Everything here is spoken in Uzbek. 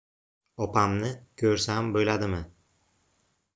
opamni ko'rsam bo'ladimi